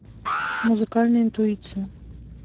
музыкальная интуиция